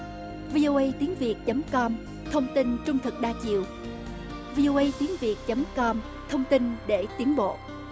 vi ô ây tiếng việt chấm com thông tin trung thực đa chiều vi ô ây tiếng việt chấm com thông tin để tiến bộ